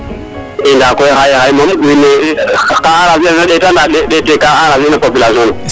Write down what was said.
I ndaa koy xaya moom wiin we ka aranger ne den a ɗeeta ndaa ɗeeta ka aranger na population